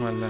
wallay